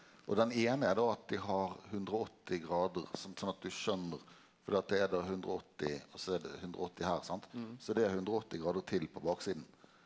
og den eine er då at dei har 180 grader som sånn at du skjønner fordi at det er då 180 og så er det 180 her sant så det er 180 grader til på baksida.